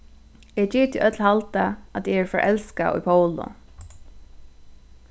eg giti øll halda at eg eri forelskað í poulu